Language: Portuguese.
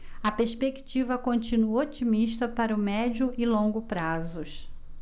a perspectiva continua otimista para o médio e longo prazos